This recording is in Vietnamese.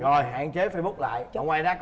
rồi hạn chế phây búc lại ngoài ra